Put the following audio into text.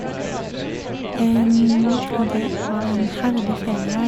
Og det var en herlig ferie.